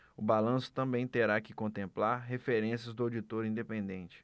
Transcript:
o balanço também terá que contemplar referências do auditor independente